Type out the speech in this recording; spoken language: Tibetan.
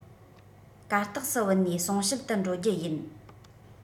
གར སྟེགས སུ བུད ནས གསུང བཤད དུ འགྲོ རྒྱུ ཡིན